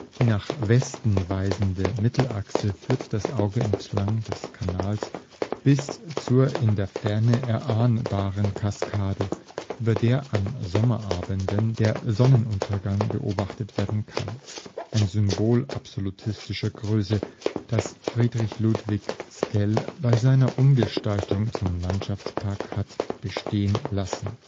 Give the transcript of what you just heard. Die nach Westen weisende Mittelachse führt das Auge entlang des Kanals zur in der Ferne erahnbaren Kaskade, über der an Sommerabenden der Sonnenuntergang beobachtet werden kann – ein Symbol absolutistischer Größe, das Friedrich Ludwig Sckell bei seiner Umgestaltung zum Landschaftspark hat bestehen lassen